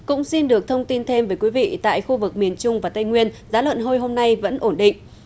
cũng xin được thông tin thêm với quý vị tại khu vực miền trung và tây nguyên giá lợn hơi hôm nay vẫn ổn định